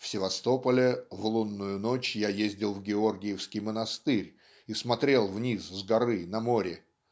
"В Севастополе в лунную ночь я ездил в Георгиевский монастырь и смотрел вниз с горы на море